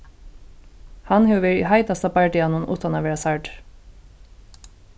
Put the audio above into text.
hann hevur verið í heitasta bardaganum uttan at vera særdur